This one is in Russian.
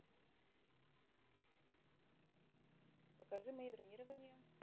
покажи мои бронирования